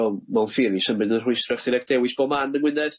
Wel mewn theory symu yn rhwystro chi rhag dewis bob man yng Ngwynedd.